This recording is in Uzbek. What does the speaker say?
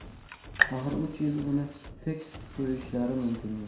axir uch yil uni tek qo'yishlari mumkinmi